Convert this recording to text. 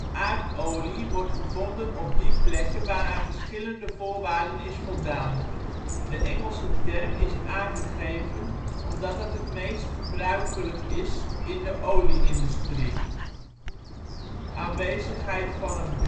Aardolie wordt gevonden op die plekken waar aan verschillende voorwaarden is voldaan. De Engelse term is aangegeven omdat dat het meest gebruikelijk is in de olie-industrie: Aanwezigheid van een